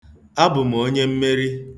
Abụ m onye mmeri.